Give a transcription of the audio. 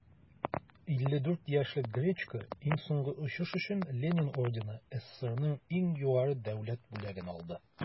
54 яшьлек гречко иң соңгы очыш өчен ленин ордены - сссрның иң югары дәүләт бүләген алды.